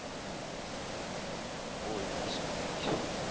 бой на смерть